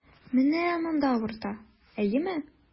Менә монда авырта, әйеме?